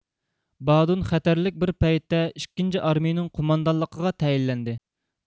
بادون خەتەرلىك بىر پەيتتە ئىككىنچى ئارمىيىنىڭ قوماندانلىقىغا تەيىنلەندى